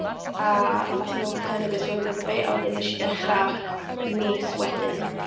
A wnaethon nhw cynnig y swydd iddo fi, a wedyn wnes i dechrau mis wedyn.